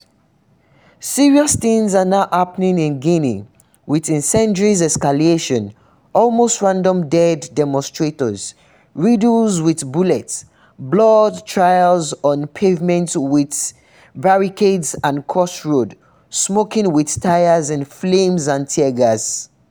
Serious things are now happening in Guinea, with incendiary escalation, almost random dead demonstrators riddles with bullets, blood trails on pavements with barricades and crossroads smoking with tires in flames and tear gas.